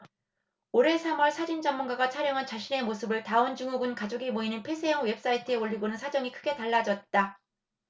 올해 삼 월 사진 전문가가 촬영한 자신의 모습을 다운증후군 가족이 모이는 폐쇄형 웹사이트에 올리고는 사정이 크게 달라졌다